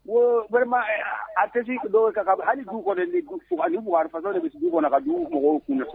Ko balima a tɛ don ka hali dugu ani de bɛ dugu kɔnɔ ka mɔgɔw kun